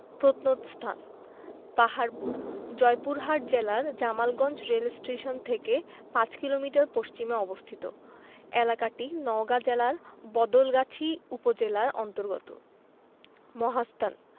প্রত্নস্থানঃ পাহাড়পুর জয়পুরহাট জেলার জামালগঞ্জ রেলস্টেশন থেকে ৫ কিলোমিটার পশ্চিমে অবস্থিত এলাকাটি নওগাঁ জেলার বদলগাছি উপজেলার অন্তর্গত মহাস্থান